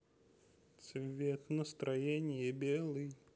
цвет настроения белый